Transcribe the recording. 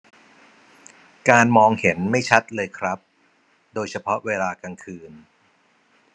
การมองเห็นไม่ชัดเลยครับโดยเฉพาะเวลากลางคืน